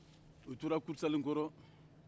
u tora kurusalenkɔrɔ